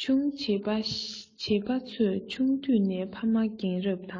ཆུང བྱིས པ བྱིས པ ཚོས ཆུང དུས ནས ཕ མ རྒན རབས དང